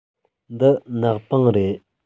འདི ནག པང རེད